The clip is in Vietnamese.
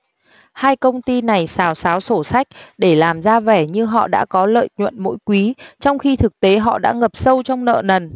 hai công ty này xào sáo sổ sách để làm ra vẻ như họ đã có lợi nhuận mỗi quý trong khi thực tế họ đã ngập sâu trong nợ nần